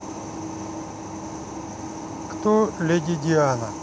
кто lady diana